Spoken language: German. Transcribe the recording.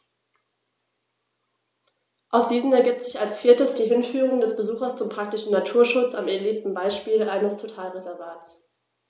Aus diesen ergibt sich als viertes die Hinführung des Besuchers zum praktischen Naturschutz am erlebten Beispiel eines Totalreservats.